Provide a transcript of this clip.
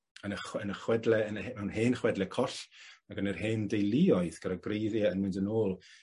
yn y chwe- yn y chwedle yn y he- mewn hen chwedle coll ag yn yr hen deuluoedd gyda gwreiddie yn mynd yn ôl